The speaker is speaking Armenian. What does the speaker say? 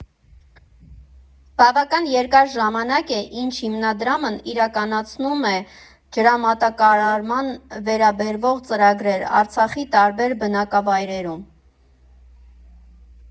Բավական երկար ժամանակ է, ինչ հիմնադրամն իրականացնում է ջրամատակարարմանը վերաբերող ծրագրեր Արցախի տարբեր բնակավայրերում։